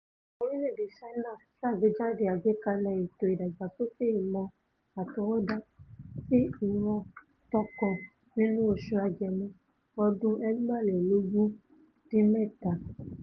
Ìgbìmọ̀ orílẹ̀-èdè Ṣáínà ṣàgbéjáde Àgbékalẹ Ètò Ìdàgbàsókè Ìmọ̀ Àtọwọ́dá ti Ìran Tókàn nínú oṣù Agẹmọ lọ́dún 2017.